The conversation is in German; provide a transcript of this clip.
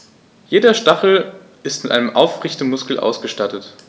Jeder Stachel ist mit einem Aufrichtemuskel ausgestattet.